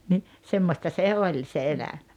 niin semmoista se oli se elämä